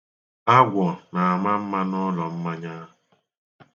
Agwọ na-ama mma n'ụlọ mmanya.